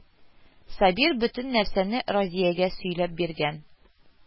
Сабир бөтен нәрсәне Разиягә сөйләп биргән